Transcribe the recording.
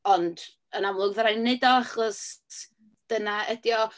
Ond, yn amlwg, fydd rhaid ni wneud o, achos dyna ydi o.